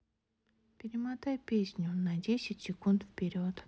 перемотай песню на десять секунд вперед